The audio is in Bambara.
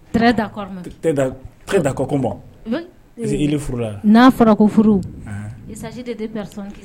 Da i n'a fɔra ko furu